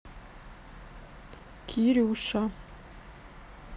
кирюша